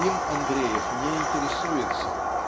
им Андреев не интересуется